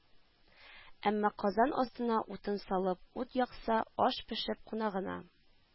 Әмма казан астына утын салып, ут якса, аш пешеп, кунагына